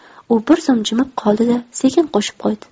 u bir zum jimib qoldi da sekin qo'shib qo'ydi